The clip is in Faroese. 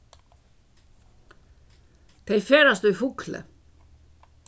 tey ferðast í fugloy